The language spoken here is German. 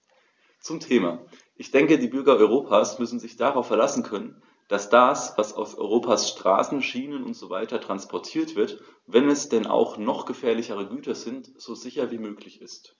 Zum Thema: Ich denke, die Bürger Europas müssen sich darauf verlassen können, dass das, was auf Europas Straßen, Schienen usw. transportiert wird, wenn es denn auch noch gefährliche Güter sind, so sicher wie möglich ist.